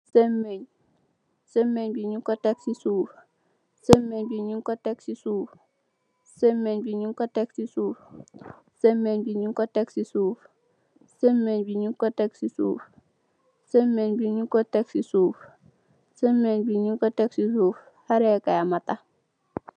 Sèmèèñ bi ñung ko tek ci suuf, xareh Kai matta.